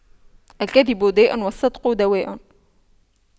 الكذب داء والصدق دواء